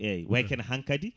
eyyi way kono hankkadi